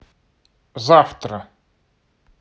завтра